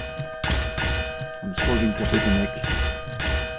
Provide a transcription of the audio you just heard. hann er so ringur at bíta negl